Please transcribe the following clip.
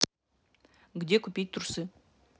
где купить трусы